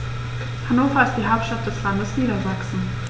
Hannover ist die Hauptstadt des Landes Niedersachsen.